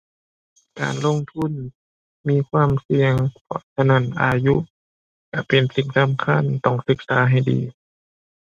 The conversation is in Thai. การลงทุนมีความเสี่ยง เพราะฉะนั้นอายุก็เป็นสิ่งสำคัญ ต้องศึกษาให้ดี